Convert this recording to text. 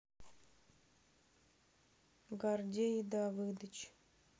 гордей и давидыч